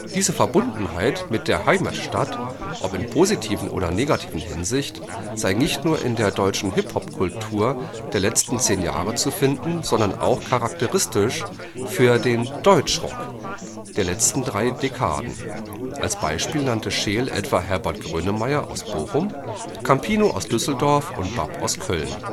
Diese Verbundenheit mit der Heimatstadt, ob in positiver oder negativer Hinsicht, sei nicht nur in „ der deutschen HipHop-Kultur der letzten zehn Jahre “zu finden, sondern auch charakteristisch für den Deutschrock „ der letzten drei Dekaden “; als Beispiele nannte Scheel etwa Herbert Grönemeyer (Bochum), Campino (Düsseldorf) und BAP (Köln